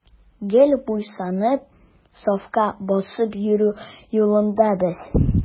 Гел буйсынып, сафка басып йөрү юлында без.